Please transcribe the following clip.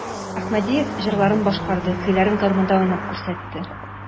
Әхмәдиев җырларын башкарды, көйләрен гармунда уйнап күрсәтте.